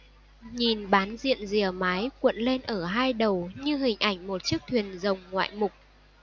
nhìn bán diện rìa mái cuộn lên ở hai đầu như hình ảnh một chiếc thuyền rồng ngoại mục